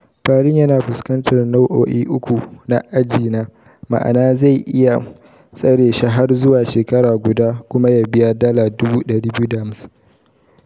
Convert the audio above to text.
Palin yana fuskantar nau'o'i uku na Aji na, ma'ana zai iya tsare shi har zuwa shekara guda kuma ya biya $ 250,000.